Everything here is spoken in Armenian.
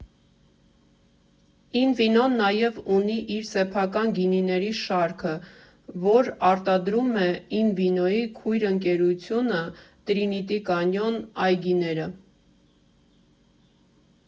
Ին վինոն նաև ունի իր սեփական գինիների շարքը, որ արտադրում է Ին վինոյի քույր ընկերությունը՝ Տրինիտի Կանյոն Այգիները։